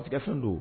Tigɛ fɛn dɔn.